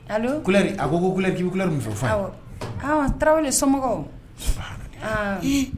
A kolɛ ninnu fɛ tarawele ni somɔgɔw